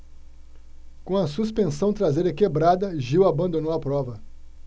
com a suspensão traseira quebrada gil abandonou a prova